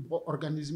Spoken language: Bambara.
Mɔgɔ organiser i